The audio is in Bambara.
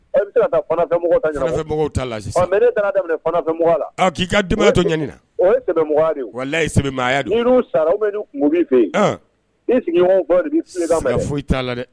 E ne la k'i ka ɲ na foyia la dɛ